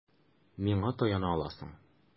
Миңа таяна аласың.